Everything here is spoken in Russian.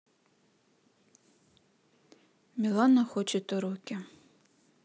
милана хочет уроки